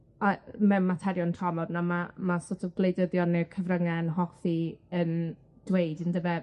a- mewn materion tramor na ma' ma' sort of gwleidyddion ne'r cyfrynge'n hoffi yym dweud yndyfe.